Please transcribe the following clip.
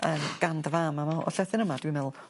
yym gan dy fam a ma' o y llythyr yma dwi'n me'wl